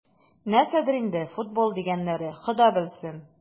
Нәрсәдер инде "футбол" дигәннәре, Хода белсен...